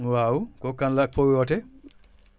waaw kooku kan la ak fooy wootee